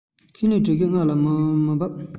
ཁས ལེན གྲི བཞི ལྔ ནས མར མི འབབ